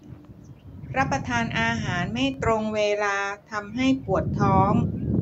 รับประทานอาหารไม่ตรงเวลาทำให้ปวดท้อง